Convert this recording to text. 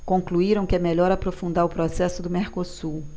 concluíram que é melhor aprofundar o processo do mercosul